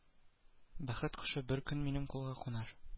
Бәхет кошы беркөн минем кулга кунар